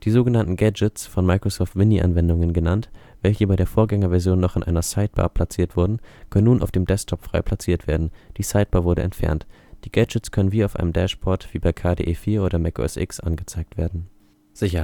sogenannten Gadgets (von Microsoft Minianwendungen genannt), welche bei der Vorgängerversion noch in einer Sidebar platziert wurden, können nun auf dem Desktop frei platziert werden, die Sidebar wurde entfernt. Die Gadgets können wie auf einem Dashboard (wie bei KDE 4 oder Mac OS X) angezeigt werden. Das